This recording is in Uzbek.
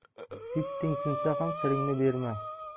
sitting sinsa ham siringni berma